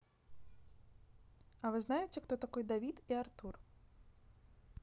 а вы знаете кто такой давид и артур